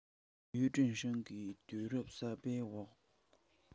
ཡུས ཀྲེང ཧྲེང གིས དུས བབ གསར པའི འོག